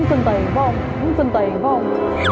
cần tiền phái hông